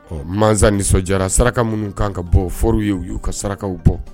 Ɔ mansa nisɔndiyara saraka minnu kan ka bɔ o fɔr'u ye u y'u ka sarakaw bɔ